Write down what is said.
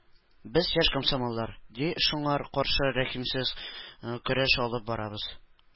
Без, яшь комсомоллар, ди, шуңар каршы рәхимсез көрәш алып барабыз.